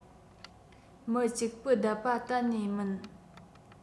མི གཅིག པུ བསྡད པ གཏན ནས མིན